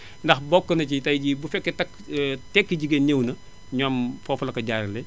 ndax bokk na ci tay jii bu fekkee takk tekki jigéen ñi ñëw na ñoom foofu la ko jaaralee